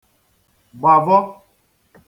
gbàvọ